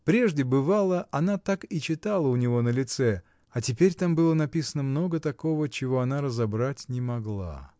Прежде, бывало, она так и читала у него на лице, а теперь там было написано много такого, чего она разобрать не могла.